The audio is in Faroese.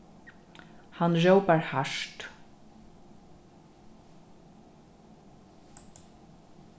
hann rópar hart